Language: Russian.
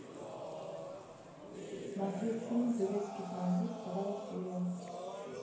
смотреть фильм турецкий транзит вторая серия